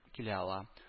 Килә ала